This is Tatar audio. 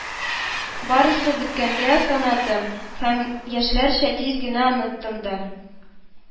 Барысы беткәнгә санадым һәм яшьләрчә тиз генә оныттым да